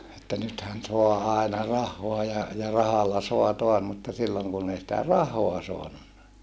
että nythän saa aina rahaa ja ja rahalla saa taas mutta silloin kun ei sitä rahaa saanut